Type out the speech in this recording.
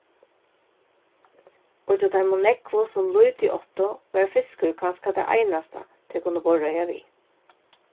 og hjá teimum nógvu sum lítið áttu var fiskur kanska tað einasta tey kundu borðreiða við